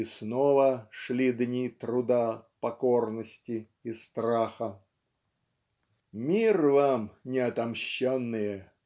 и снова Шли дни труда, покорности и страха. Мир вам, неотомщенные!